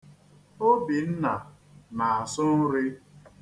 Obinna na-asụ nri.